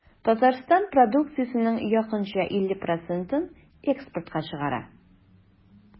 Татарстан продукциясенең якынча 50 процентын экспортка чыгара.